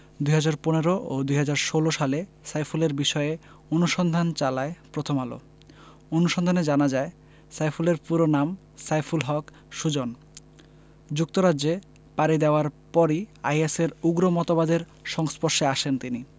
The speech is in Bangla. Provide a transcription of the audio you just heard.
২০১৫ ও ২০১৬ সালে সাইফুলের বিষয়ে অনুসন্ধান চালায় প্রথম আলো অনুসন্ধানে জানা যায় সাইফুলের পুরো নাম সাইফুল হক সুজন যুক্তরাজ্যে পাড়ি দেওয়ার পরই আইএসের উগ্র মতবাদের সংস্পর্শে আসেন তিনি